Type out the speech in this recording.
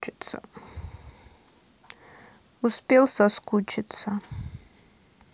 успел соскучиться